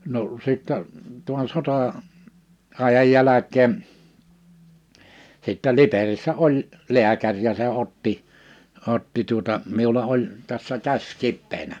no sitten tuon - sota-ajan jälkeen sitten Liperissä oli lääkäri ja se otti otti tuota minulla oli tässä käsi kipeänä